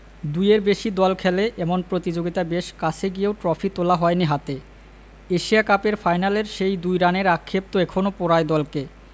দুইয়ের বেশি দল খেলে এমন প্রতিযোগিতায় বেশ কাছে গিয়েও ট্রফি তোলা হয়নি হাতে এশিয়া কাপের ফাইনালের সেই ২ রানের আক্ষেপ তো এখনো পোড়ায় দলকে